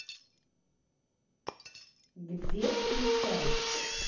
где включай